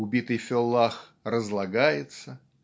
убитый феллах разлагается